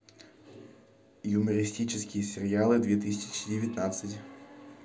юмористические сериалы две тысячи девятнадцать